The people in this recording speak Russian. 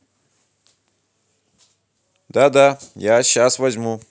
да да я сейчас возьму